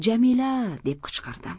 jamila a a a deb qichqirdim